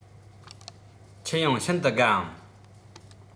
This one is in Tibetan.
ཁྱེད ཡང ཤིན ཏུ དགའ འམ